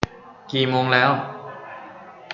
กี่โมงแล้ว